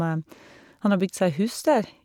Han har bygd seg hus der.